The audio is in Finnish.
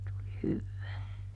tuli hyvää